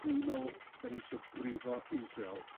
Dwi'n me'wl 'dan ni isio brifo Israel.